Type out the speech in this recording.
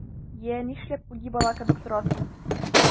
Йә, нишләп үги бала кебек торасың?